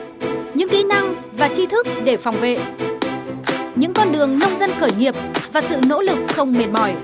những kỹ năng và tri thức để phòng vệ những con đường nông dân khởi nghiệp và sự nỗ lực không mệt mỏi